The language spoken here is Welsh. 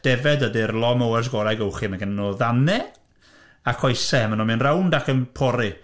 Defaid ydy'r lawnmowers gorau gewch chi. Mae gennyn nhw ddannedd a choesau. A maen nhw'n mynd rownd ac yn pori.